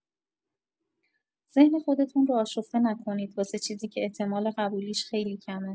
ذهن خودتون رو آشفته نکنید واسه چیزی که احتمال قبولیش خیلی کمه!